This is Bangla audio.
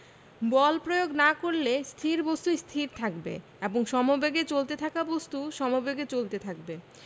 বল প্রয়োগ না করলে স্থির বস্তু স্থির থাকবে এবং সমেবেগে চলতে থাকা বস্তু সমেবেগে চলতে থাকবে